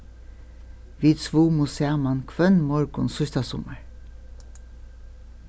vit svumu saman hvønn morgun síðsta summar